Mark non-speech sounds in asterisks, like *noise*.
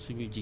*hesitation* *hesitation*